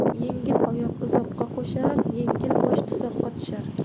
yengil oyoq uzoqqa qo'shar yengil bosh tuzoqqa tushar